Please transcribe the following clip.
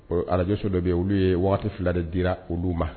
O radio so dɔ bɛ yen, olu ye wagati fila di dira olu ma.